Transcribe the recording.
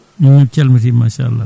min calmitima machallah